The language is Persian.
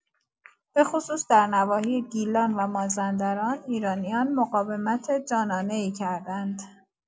بخصوص در نواحی گیلان و مازندران ایرانیان مقاومت جانانه‌ای کردند.